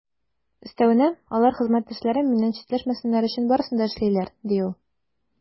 Өстәвенә, алар хезмәттәшләрем миннән читләшсеннәр өчен барысын да эшлиләр, - ди ул.